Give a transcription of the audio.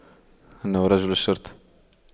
إنه رجل الشرطة